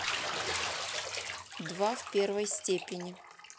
два в первой степени